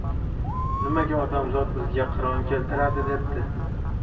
nimaga odamzod bizga qiron keltiradi debdi